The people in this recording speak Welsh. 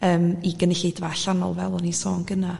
yym i gynulleidfa allanol fel o'n i sôn gyna